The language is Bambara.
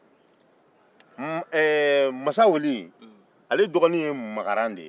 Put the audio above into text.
masaweli dɔgɔnin ye makaran de ye